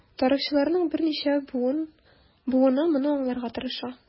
Тарихчыларның берничә буыны моны аңларга тырыша.